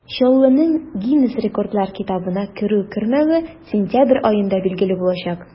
Чаллының Гиннес рекордлар китабына керү-кермәве сентябрь аенда билгеле булачак.